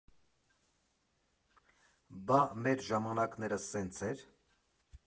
Բա մեր ժամանակները սե՞նց էր։